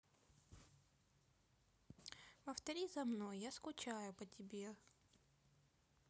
повтори за мной я скучаю по тебе